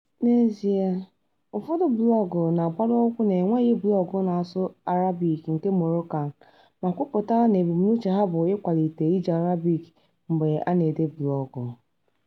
N'ezie, ụfọdụ blọọgụ na-agbado ụkwụ n'enweghị blọọgụ na-asụ Arabic nke Moroccan ma kwupụta na ebumnuche ha bụ ịkwalite iji Arabic mgbe a na-ede blọọgụ.